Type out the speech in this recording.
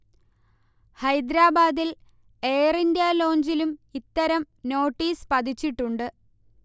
ഹൈദരാബാദിൽ എയർഇന്ത്യ ലോഞ്ചിലും ഇത്തരം നോട്ടീസ് പതിച്ചിട്ടുണ്ട്